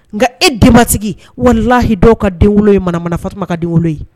Nka e denbatigi walahi dɔw ka den wolo ye manamana Fakuma ka den wolo.